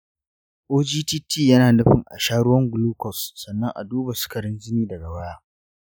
ogtt yana nufin a sha ruwan glucose sannan a duba sukarin jini daga baya.